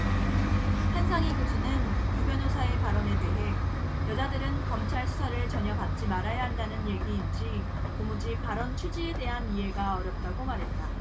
한상희 교수는 유 변호사의 발언에 대해 여자들은 검찰수사를 전혀 받지 말아야 한다는 얘기인지 도무지 발언 취지에 대한 이해가 어렵다고 말했다